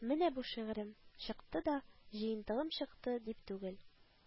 Менә бу шигырем чыкты да, җыентыгым чыкты, дип түгел